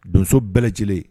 Donso bɛɛ lajɛlen